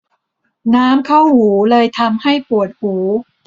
น้ำเข้าหูเลยทำให้ปวดหู